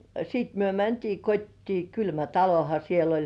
ja sitten me mentiin kotiin kylmä talohan siellä oli